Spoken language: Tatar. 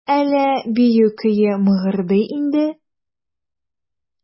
Әллә бию көе мыгырдый инде?